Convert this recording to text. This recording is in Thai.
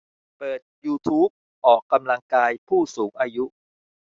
เปิดยูทูปออกกำลังกายผู้สูงอายุ